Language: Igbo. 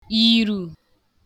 yìrù